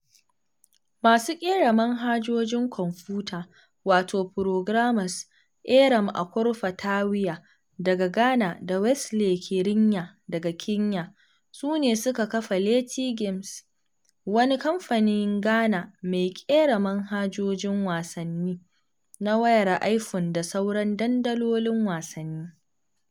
Masu ƙera manhajojin kwamfuta, wato programmers, Eyram Akorfa Tawiah daga Ghana da Wesley Kirinya daga Kenya, su ne suka kafa Leti Games, wani kamfanin Ghana mai ƙera manhajojin wasanni na wayar iPhone da sauran dandalolin wasanni.